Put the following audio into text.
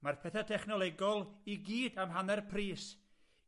Ma'r pethe technolegol i gyd am hanner pris